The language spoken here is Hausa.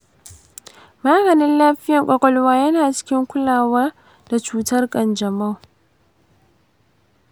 maganin lafiyan ƙwaƙwalwa yana cikin kulawa da cutar ƙanjamau.